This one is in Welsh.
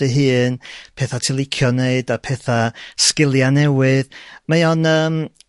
dy hun petha' ti'n licio neud a petha'... sgilia' newydd mae o'n yym